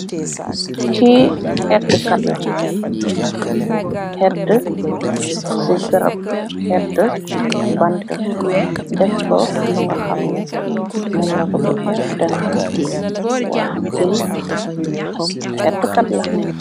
Ki hett Kai la, hett si garap, hett bant defko lu ko luga xam neh mom la ko baga def. Ki hettu kat la.